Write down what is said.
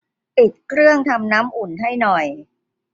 ปิดเครื่องทำน้ำอุ่นให้หน่อย